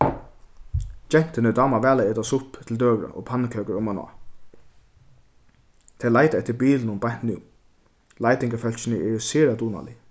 gentuni dámar væl at eta suppu til døgurða og pannukøkur omaná tey leita eftir bilinum beint nú leitingarfólkini eru sera dugnalig